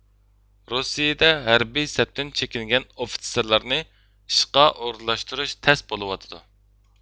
روسىيىدە ھەربىي سەپتىن چېكىنگەن ئوفىتسېرلارنى ئىشقا ئورۇنلاشتۇرۇش تەس بولۇۋاتىدۇ